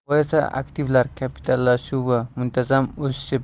bu esa aktivlar kapitallashuvi muntazam o'sishi